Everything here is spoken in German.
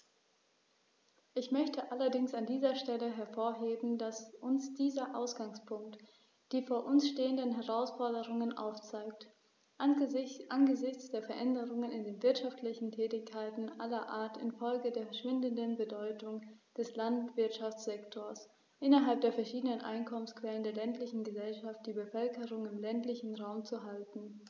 Ich möchte allerdings an dieser Stelle hervorheben, dass uns dieser Ausgangspunkt die vor uns stehenden Herausforderungen aufzeigt: angesichts der Veränderungen in den wirtschaftlichen Tätigkeiten aller Art infolge der schwindenden Bedeutung des Landwirtschaftssektors innerhalb der verschiedenen Einkommensquellen der ländlichen Gesellschaft die Bevölkerung im ländlichen Raum zu halten.